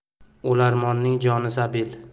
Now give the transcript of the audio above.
o'larmonning joni sabil